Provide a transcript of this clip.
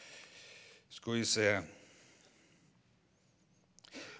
skal vi se?